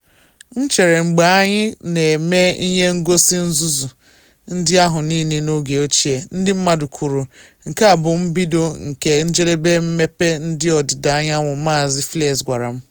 “M chetara mgbe anyị na eme ihe ngosi nzuzu ndị ahụ niile n’oge ochie, ndị mmadụ kwuru, “Nke a bụ mbido nke njedebe mmepe ndị ọdịda anyanwụ,”” Maazị Fleiss gwara m.